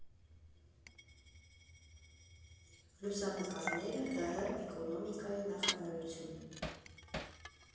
Լուսանկարները՝ ՀՀ էկոնոմիկայի նախարարություն։